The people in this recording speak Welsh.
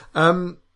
Yym,